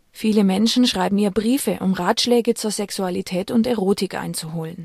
Viele Menschen schreiben ihr Briefe, um Ratschläge zur Sexualität und Erotik einzuholen